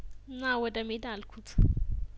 ና ወደ ሜዳ አልኩት